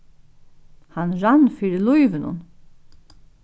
hann rann fyri lívinum